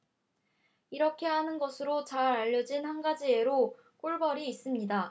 이렇게 하는 것으로 잘 알려진 한 가지 예로 꿀벌이 있습니다